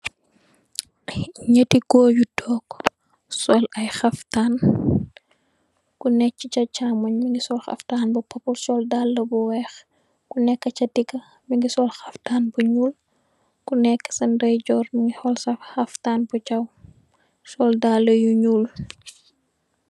Nyeeti goor yu tog sol ay xaftan ku neka sa chamunj mongi sol xaftan bu purple sol daala bu weex ku neka si diga mongi sol xaftan bu nuul ku neka si ndeyejorr mongi sol xaftan bu jaw sol daal yu nuul.